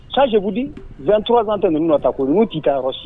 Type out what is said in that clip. Ka jaabidi vurakan tɛ ninnu nɔ ta' olu ninnu t'i ka yɔrɔsi